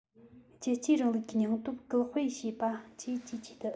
རྒྱལ གཅེས རིང ལུགས ཀྱི སྙིང སྟོབས སྐུལ སྤེལ བྱེད པ བཅས ཀྱི ཆེད དུ